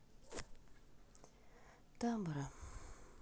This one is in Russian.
табора